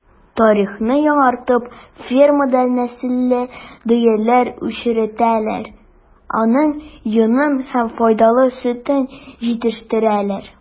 Тарихны яңартып фермада нәселле дөяләр үчретәләр, аның йонын һәм файдалы сөтен җитештерәләр.